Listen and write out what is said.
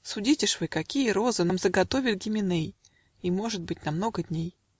Судите ж вы, какие розы Нам заготовит Гименей И, может быть, на много дней.